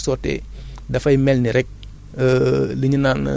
mën nga ko jël dem sotti ko directeent sa tool boo ko ci sottee